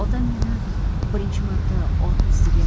otam meni birinchi marta ot ustiga